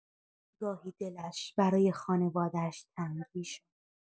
گاهی دلش برای خانواده‌اش تنگ می‌شد.